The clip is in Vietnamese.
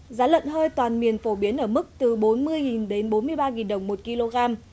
giá lợn hơi toàn miền phổ biến ở mức từ bốn mươi nghìn đến bốn mươi ba nghìn đồng một ki lô gam